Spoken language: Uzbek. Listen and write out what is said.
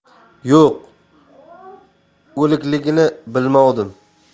yo'q o'likligini bilmovdim